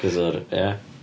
Achos o'r- ie...